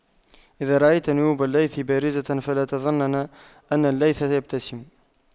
إذا رأيت نيوب الليث بارزة فلا تظنن أن الليث يبتسم